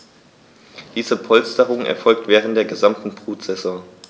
Diese Polsterung erfolgt während der gesamten Brutsaison.